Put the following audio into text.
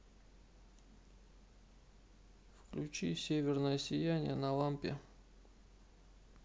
включи северное сияние на лампе